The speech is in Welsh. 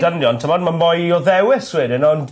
...dynion t'mod ma' mwy o ddewis wedyn ond